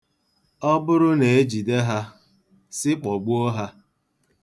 Ọ bụrụ na e jide ha, sị kpọgbuo ha.